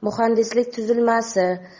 muhandislik tuzilmasi